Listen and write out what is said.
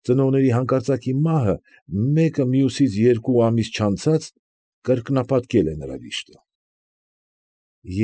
Ծնողների հանկարծակի մահը մեկը մյուսից երկու ամիս չանցած՝ կրկնապատկել է նրա վիշտը։